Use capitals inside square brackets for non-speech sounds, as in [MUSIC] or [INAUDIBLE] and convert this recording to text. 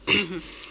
[COUGHS] [HESITATION] [HESITATION]